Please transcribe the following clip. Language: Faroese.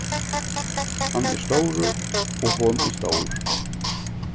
hann er stórur og hon er stór